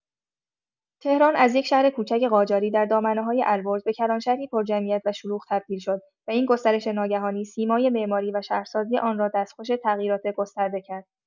تهران از یک شهر کوچک قاجاری در دامنه‌های البرز به کلانشهری پرجمعیت و شلوغ تبدیل شد و این گسترش ناگهانی، سیمای معماری و شهرسازی آن را دستخوش تغییرات گسترده کرد.